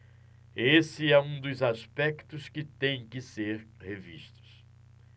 esse é um dos aspectos que têm que ser revistos